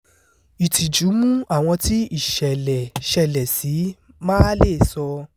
Ìtìjú mú àwọn tí ìṣẹ̀lẹ̀ ṣẹlẹ̀ sí máà leè sọ